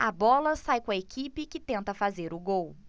a bola sai com a equipe que tenta fazer o gol